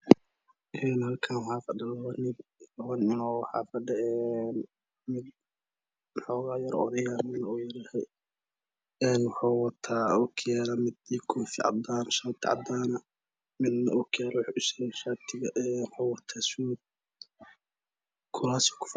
Halkaan waxaa fadhiyo labo nin labo nin oo waxaa fadhiyo mid xoogahaa yar uu oday yahay midna uu yaryahay een wuxuu wataa okiyaalo mid koofi cadaan shaati cadaan ah midna okiyalaha wuxuu usuranyahay shaatiga een wuxuu wataa suud